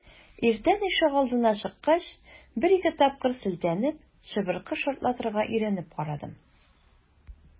Иртән ишегалдына чыккач, бер-ике тапкыр селтәнеп, чыбыркы шартлатырга өйрәнеп карадым.